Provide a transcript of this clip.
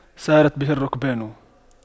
سارت به الرُّكْبانُ